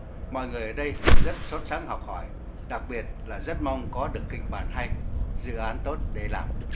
mọi người ở đây rất sốt sắng học hỏi đặc biệt là rất mong có được kịch bản hay dự án tốt để làm